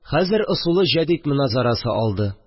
Хәзер ысулы җәдид моназарәсе алды